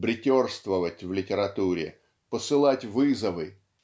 бреттерствовать в литературе посылать вызовы